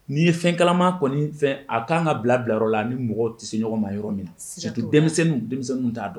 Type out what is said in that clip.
N'i ye fɛn kalama kɔni fɛn a k' kanan ka bila bilayɔrɔ la a bɛ mɔgɔ tɛ se ɲɔgɔn ma yɔrɔ min tɛ denmisɛnnin denmisɛnnin t'a dɔn